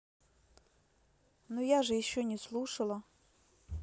ну я же еще не слушала